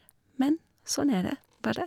Men sånn er det bare.